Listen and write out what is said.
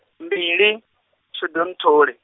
mbili, Shundunthule.